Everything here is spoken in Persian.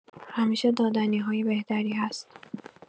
همیشه دادنی‌های بهتری هست.